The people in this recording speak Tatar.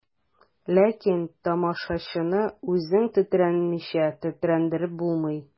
Ләкин тамашачыны үзең тетрәнмичә тетрәндереп булмый.